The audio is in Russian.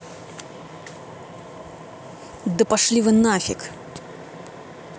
да пошли вы нафиг